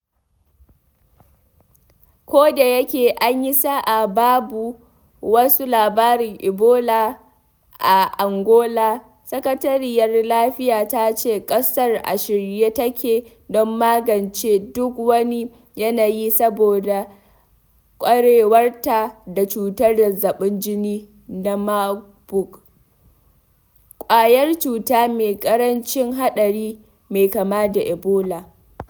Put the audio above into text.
Ko da yake an yi sa’a babu wasu labarin Ebola a Angola, sakatariyar lafiya ta ce ƙasar a shirye take don magance duk wani yanayi saboda kwarewarta da cutar zazzabin jini na Marburg, ƙwayar cuta mai ƙarancin haɗari mai kama da Ebola.